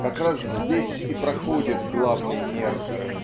Как раз здесь и проходит главный нерв